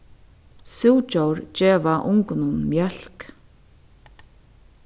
súgdjór geva ungunum mjólk